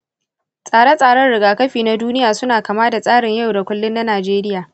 tsare-tsaren rigakafi na duniya suna kama da tsarin yau da kullun na najeriya.